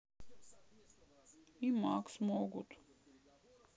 и макс могут